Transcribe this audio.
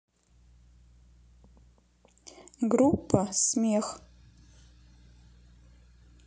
группа смех